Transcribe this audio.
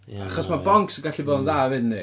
Ia na ...Achos ma' bonks yn gallu bod yn dda hefyd yndi.